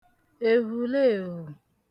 èvhùleèvhù